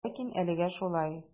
Ләкин әлегә шулай.